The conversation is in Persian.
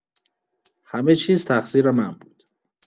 همه‌چیز تقصیر من بود.